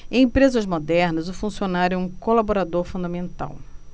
em empresas modernas o funcionário é um colaborador fundamental